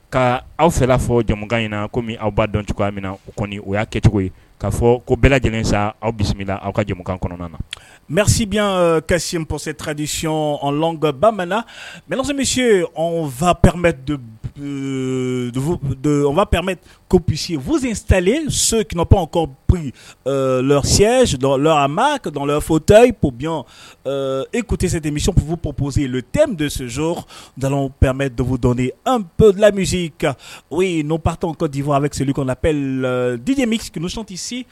Ka aw fɛ fɔ jamu in na ko aw b'a dɔn cogoya min na o kɔni o y'a kɛcogo ye k'a fɔ ko bɛɛ lajɛlen sa aw bisimilamina na aw ka jamukan kɔnɔna na mɛsibi ka sinpssitadisiyɔnɔn bamanan mɛsɔ misi se fapmep kopsi fusi salen soyikpw kop c a ma ka dɔnkililɔ fɔtayippiyɔn e ku te se de misipfuposi o te sonz dapmɛ donp dɔ de an bɛ lamisi ka o ye n'o batɔw ka dip selieli kɔnɔ bɛ la di mision tɛ se